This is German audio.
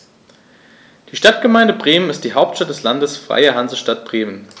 Die Stadtgemeinde Bremen ist die Hauptstadt des Landes Freie Hansestadt Bremen.